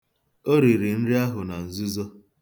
O riri nri ahụ na nzuzo.